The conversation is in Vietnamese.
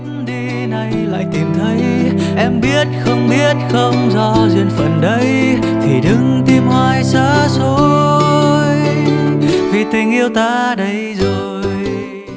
đi nay lại tìm thấy em biết không biết không do duyên phận đấy thì đừng tìm hoài xa xôi vì tình yêu ta đây rồi